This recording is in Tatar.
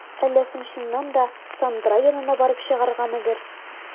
Әллә соң чыннан да, Сандра янына барып чыгаргамы бер?